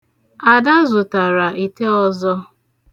Ada zụtara ite ọzọ.